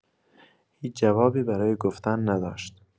هیچ جوابی برای گفتن نداشت.